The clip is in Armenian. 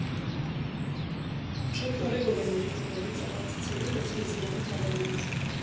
Շատ կարևոր է նորից ու նորից ապացուցելու Ոսկե ծիրանի կարևորությունը։